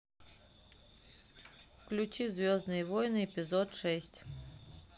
включи звездные войны эпизод шесть